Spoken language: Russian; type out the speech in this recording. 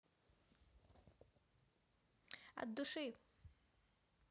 от души